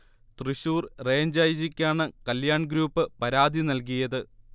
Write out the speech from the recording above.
Thrissur range I. ജിക്കാണ് Kalyan group പരാതി നൽകിയത്